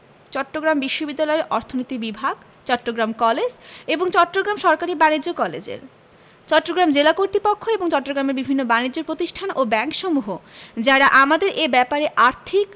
চট্টগ্রাম বিশ্ববিদ্যালয়ের অর্থনীতি বিভাগ চট্টগ্রাম কলেজ এবং চট্টগ্রাম সরকারি বাণিজ্য কলেজের চট্টগ্রাম জেলা কর্তৃপক্ষ এবং চট্টগ্রামের বিভিন্ন বানিজ্য প্রতিষ্ঠান ও ব্যাংকসমূহ যারা আমাদের এ ব্যাপারে আর্থিক